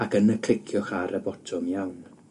ac yna cliciwch ar y botwm Iawn.